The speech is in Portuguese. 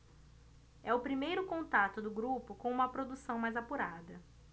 é o primeiro contato do grupo com uma produção mais apurada